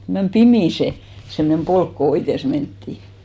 meni pimeä se semmoinen polku kun oites mentiin